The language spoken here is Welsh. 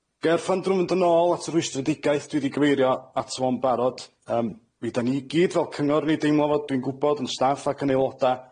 Ga i orffan drw fynd yn ôl at rwystredigaeth dwi 'di gyfeirio ato fo'n barod. Yym, mi 'dan ni i gyd fel cyngor 'n 'i deimlo fo dwi'n gwbod yn staff ac yn aeloda,